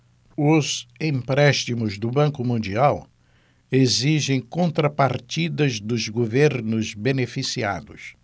os empréstimos do banco mundial exigem contrapartidas dos governos beneficiados